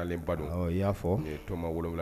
Y'a fɔ ye toma wolowula